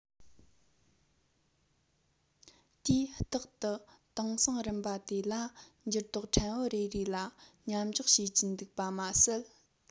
དེས རྟག ཏུ དྭངས སིངས རིམ པ དེ ལ འགྱུར ལྡོག ཕྲན བུ རེ རེ ལ མཉམ འཇོག བྱེད ཀྱིན འདུག པ མ ཟད